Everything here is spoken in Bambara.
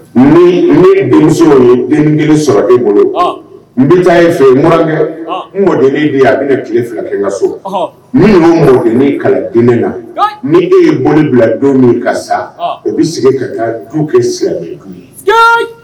Denmuso ye den kelen sɔrɔ e bolo n bɛ taa fɛkɛ mɔden bɛ a bɛna tile fila ka so minnu' kalan d la ni e ye boli bila don min ka sa o bɛ sigi ka taa du kɛ sira